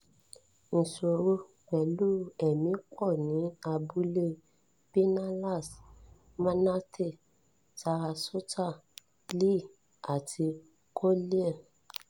Ìṣòrò pẹ̀lú èémi pọ̀ ní abúlé Pinellas, Manatee, Sarasota, Lee, àti Collier.